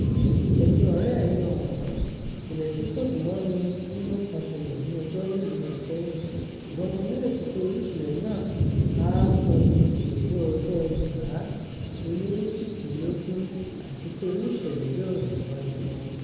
Ẹ̀yin ọ̀rẹ́ẹ̀ mi ọ̀wọ́n, ìṣẹ̀lẹ̀ tí kò dùn mọ́ni nínú kan ṣẹlẹ̀ ní ọjọ́ mélòó kan sẹ́yìn, ṣùgbọ́n mo nírètí pé irú ìṣẹ̀lẹ̀ náà á pín pẹ̀lú ọdun 2018 àti pé irú ìṣẹ̀lẹ̀ bẹ́ẹ̀ ò ní wáyé mọ́.